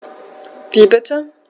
Wie bitte?